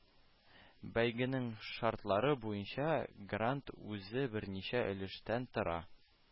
Бәйгенең шартлары буенча, грант үзе берничә өлештән тора